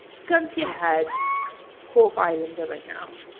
Gun to your head hoff islander right nawr?